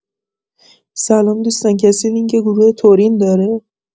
سلام دوستان کسی لینک گروه تورین داره؟